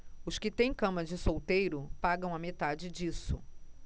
os que têm cama de solteiro pagam a metade disso